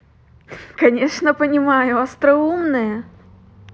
конечно понимаю остроумные